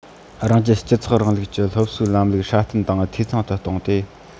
རང རྒྱལ སྤྱི ཚོགས རིང ལུགས ཀྱི སློབ གསོའི ལམ ལུགས སྲ བརྟན དང འཐུས ཚང དུ བཏང སྟེ